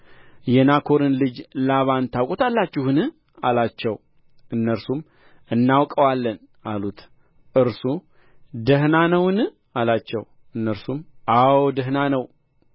የናኮርን ልጅ ላባን ታውቁታላችሁን አላቸው እነርሱም እናውቀዋለን አሉት እርሱ ደኅና ነውን አላቸው እነርሱም አዎን ደኅና ነው